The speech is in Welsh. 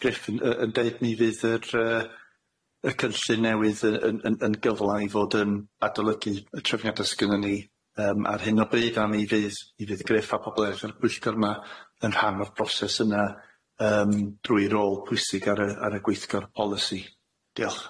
Gruff yn yy yn deud mi fydd yr yy y cynllun newydd yy yn yn yn gyfla i fod yn adolygu y trefiadau s'gynnon ni yym ar hyn o bryd a mi fydd mi fydd Gruff a pobl eraill ar y pwyllgor yma yn rhan o'r broses yna yym drwy rôl pwysig ar y ar y gweithgor polisi. Diolch